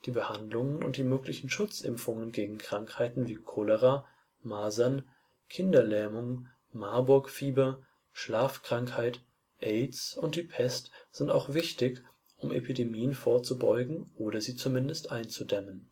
Behandlungen und die möglichen Schutzimpfungen gegen Krankheiten wie Cholera, Masern, Kinderlähmung, Marburgfieber, Schlafkrankheit, Aids und die Pest sind auch wichtig, um Epidemien vorzubeugen oder sie zumindest einzudämmen